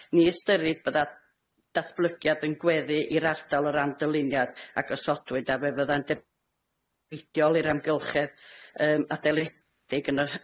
ni ystyrid bydda datblygiad yn gweddu i'r ardal o ran dyluniad a gosodwyd, a fe fydda'n deb- -eidiol i'r amgylchedd yym adeiledig yn rh-